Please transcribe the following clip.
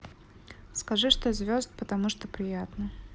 скажи что звезд потому что приятно